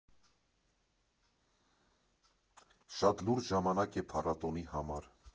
Շատ լուրջ ժամանակ է փառատոնի համար։